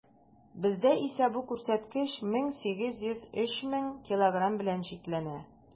Бездә исә бу күрсәткеч 1800 - 3000 килограмм белән чикләнә.